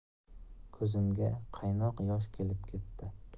ko'zimga qaynoq yosh kelib ketti